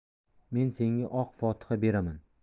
men senga oq fotiha beraman